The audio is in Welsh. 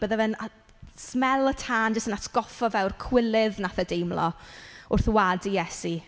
Byddai fe'n a- smell y tân jyst yn atgoffa fe o'r cywilydd wnaeth e deimlo wrth wadu Iesu.